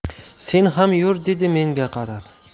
sen ham yur dedi menga qarab